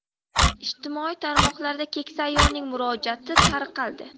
ijtimoiy tarmoqlarda keksa ayolning murojaati tarqaldi